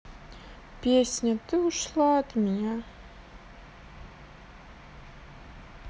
песня ты ушла от меня